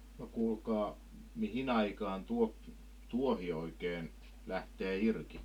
no kuulkaa mihin aikaan - tuohi oikein lähtee irti